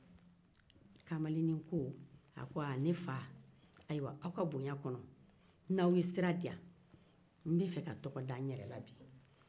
kamalennin ko ne fa aw ka bonya kɔnɔ n b'a fɛ ka tɔgɔ da n yɛrɛ la bi